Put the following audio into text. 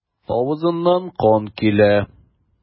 Авызыннан кан килә.